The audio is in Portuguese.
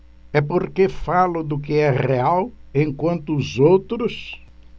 é porque falo do que é real enquanto os outros